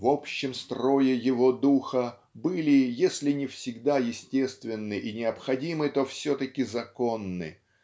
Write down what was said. в общем строе его духа были если не всегда естественны и необходимы то все-таки законны